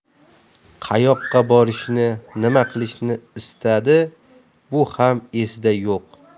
qayoqqa borishni nima qilishni istadi bu ham esida yo'q